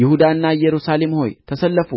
ይሁዳና ኢየሩሳሌም ሆይ ተሰለፉ